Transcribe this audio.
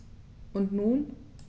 Und nun?